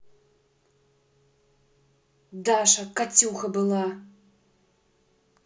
даша катюха была